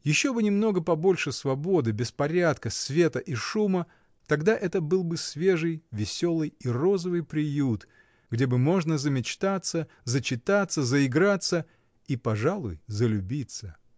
Еще бы немного побольше свободы, беспорядка, света и шуму — тогда это был бы свежий, веселый и розовый приют, где бы можно замечтаться, зачитаться, заиграться и, пожалуй, залюбиться.